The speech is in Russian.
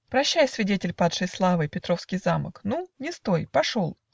Прощай, свидетель падшей славы, Петровский замок. Ну! не стой, Пошел!